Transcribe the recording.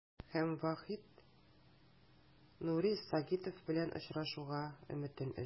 Һәм Вахит Нури Сагитов белән очрашуга өметен өзде.